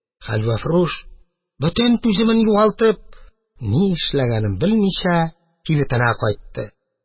Хәлвәфрүш, бөтен түземен югалтып, ни эшләгәнен белмичә, кибетенә кайтты.